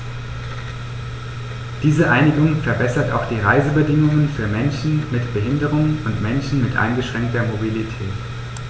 Diese Einigung verbessert auch die Reisebedingungen für Menschen mit Behinderung und Menschen mit eingeschränkter Mobilität.